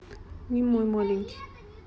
не мой маленький